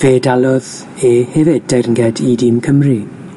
Fe dalodd e hefyd deyrnged i dîm Cymru,